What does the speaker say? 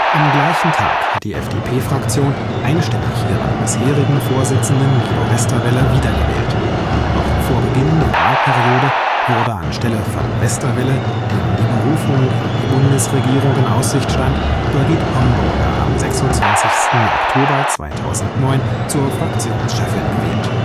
Am gleichen Tag hat die FDP-Fraktion einstimmig ihren bisherigen Vorsitzenden Guido Westerwelle wiedergewählt. Noch vor Beginn der Wahlperiode wurde an Stelle von Westerwelle, dem die Berufung in die Bundesregierung in Aussicht stand, Birgit Homburger am 26. Oktober 2009 zur Fraktionschefin gewählt